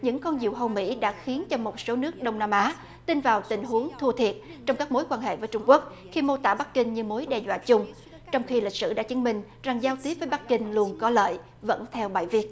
những con diều hâu mỹ đã khiến cho một số nước đông nam á tin vào tình huống thua thiệt trong các mối quan hệ với trung quốc khi mô tả bắc kinh như mối đe dọa chung trong khi lịch sử đã chứng minh rằng giao tiếp với bắc kinh luôn có lợi vẫn theo bài viết